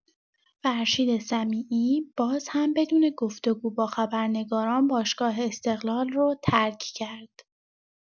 فرشید سمیعی باز هم بدون گفت‌وگو با خبرنگاران باشگاه استقلال رو ترک کرد.